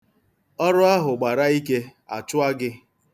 Ọrụ ahụ gbara ike, a chụọ gị.